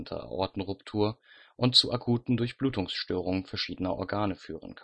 Aortenruptur) und zu akuten Durchblutungsstörungen verschiedener Organe führen